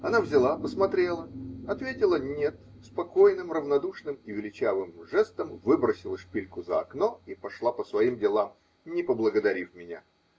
-- Она взяла, посмотрела, ответила "нет", спокойным, равнодушным и величавым жестом выбросила шпильку за окно и пошла по своим делам, не поблагодарив меня